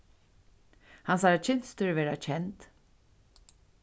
hansara kynstur verða kend